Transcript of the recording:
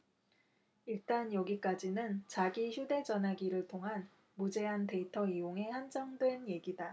일단 여기까지는 자기 휴대전화기를 통한 무제한 데이터 이용에 한정된 얘기다